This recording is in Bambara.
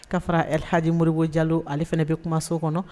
Ka fara hadikimo moriɔribo jalo ale fana bɛ kumaso kɔnɔ